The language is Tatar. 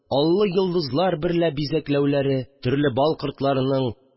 Аллы йолдызлар берлә бизәкләүләре; төрле бал кортларының